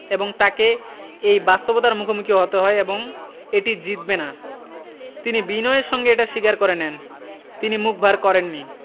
এবং তাঁকে এই বাস্তবতার মুখোমুখি হতে হয় এবং এটি জিতবে না তিনি বিনয়ের সঙ্গে এটা স্বীকার করে নেন তিনি মুখ ভার করেননি